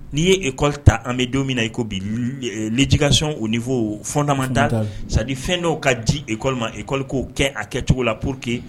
N'i'e koli ta an bɛ don min na i ko bi jikasɔn o ni fɔ fɔdama da sadi fɛn dɔw ka di e koli ma e koli k'o kɛ a kɛcogo la pur que